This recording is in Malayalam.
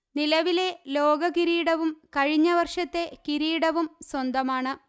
നിലവിലെ ലോക കിരീടവും കഴിഞ്ഞ വര്ഷത്തെ കിരീടവും സ്വന്തമാണ്